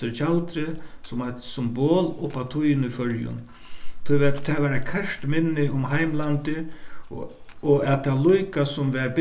sær tjaldrið sum eitt symbol upp á tíðina í føroyum tí var tað var eitt kært minni um heimlandið og at tað líkasum var